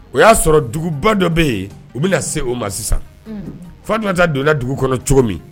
O y'a sɔrɔ duguba dɔ bɛ yen u bɛna na se o ma sisan fa tunta donna dugu kɔnɔ cogo min